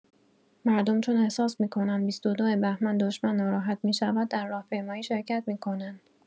مردم چون احساس می‌کنند ۲۲ بهمن دشمن ناراحت می‌شود در راهپیمایی شرکت می‌کنند.